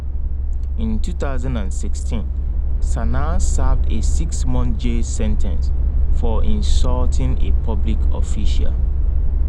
In 2016, Sanaa served a six-month jail sentence for insulting a public official.